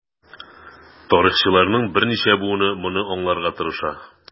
Тарихчыларның берничә буыны моны аңларга тырыша.